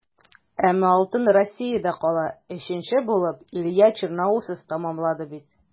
Әмма алтын Россиядә кала - өченче булып Илья Черноусов тәмамлады бит.